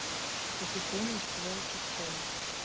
у петуньи ствол пустой